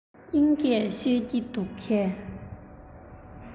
དབྱིན སྐད ཤེས ཀྱི འདུག གས